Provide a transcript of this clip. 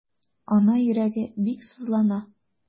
Ана йөрәге бик сызлана.